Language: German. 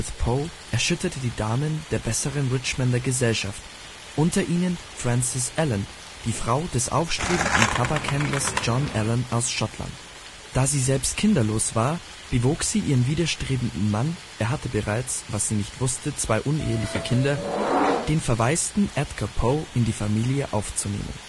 Poe erschütterte die Damen der besseren Richmonder Gesellschaft, unter ihnen Frances Allan, die Frau des aufstrebenden Tabakhändlers John Allan aus Schottland. Da sie selbst kinderlos war, bewog sie ihren widerstrebenden Mann (er hatte bereits, was sie nicht wusste, zwei uneheliche Kinder), den verwaisten Edgar Poe in die Familie aufzunehmen